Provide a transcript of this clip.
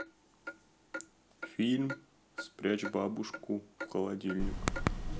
фильм спрячь бабушку в холодильник